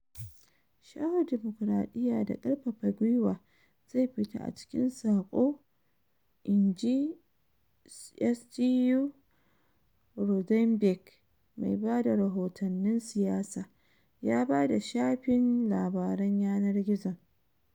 "Sha'awar dimokuradiya da karfafa gwiwa zai fita a cikin sakon," in ji Stu Rothenberg, mai ba da rahotannin siyasa, ya fada shafin labaran yanar gizon.